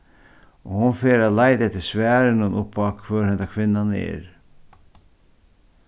og hon fer at leita eftir svarum upp á hvør hendan kvinnan er